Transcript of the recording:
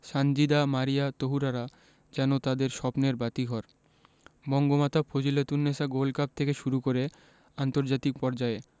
সানজিদা মারিয়া তহুরারা যেন তাদের স্বপ্নের বাতিঘর বঙ্গমাতা ফজিলাতুন্নেছা গোল্ড কাপ থেকে শুরু করে আন্তর্জাতিক পর্যায়ে